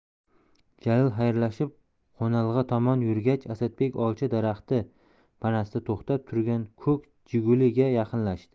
jalil xayrlashib qo'nalg'a tomon yurgach asadbek olcha daraxti panasida to'xtab turgan ko'k jiguli ga yaqinlashdi